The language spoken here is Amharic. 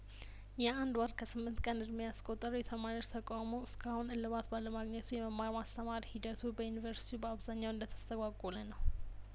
የአንድ ወር ከስምንት ቀን እድሜ ያስቆጠረው የተማሪዎች ተቃውሞ እስካሁን እልባት ባለማግኘቱ የመማር ማስተማር ሂደቱ በዩኒቨርስቲው በአብዛኛው እንደተስተጓጐለ ነው